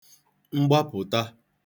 mgbapụ̀ta